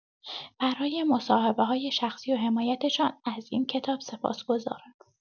برای مصاحبه‌های شخصی و حمایتشان از این کتاب سپاسگزارم.